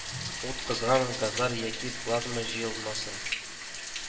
Ут кызган газлар яки плазма җыелмасы